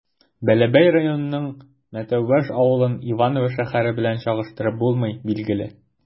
Бәләбәй районының Мәтәүбаш авылын Иваново шәһәре белән чагыштырып булмый, билгеле.